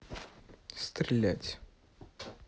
стрелять